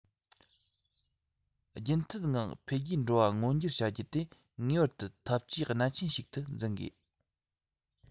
རྒྱུན མཐུད ངང འཕེལ རྒྱས འགྲོ བ མངོན འགྱུར བྱ རྒྱུ དེ ངེས པར དུ འཐབ ཇུས གནད ཆེན ཞིག ཏུ འཛིན དགོས